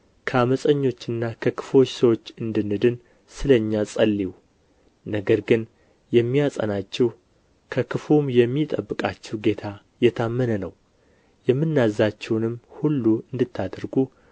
ከዓመፀኞችና ከክፉዎች ሰዎች እንድንድን ስለ እኛ ጸልዩ ነገር ግን የሚያጸናችሁ ከክፉውም የሚጠብቃችሁ ጌታ የታመነ ነው የምናዛችሁንም አሁን እንድታደርጉ